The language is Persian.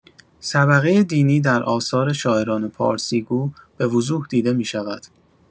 صبغه دینی در آثار شاعران پارسی‌گو به‌وضوح دیده می‌شود.